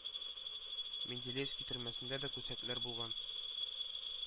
Менделеевский төрмәсендә дә күсәкләр булган